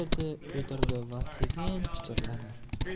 o'tirdi da sekin pichirladi